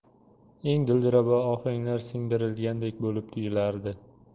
eng dilrabo ohanglar singdirilgandek bo'lib tuyulardi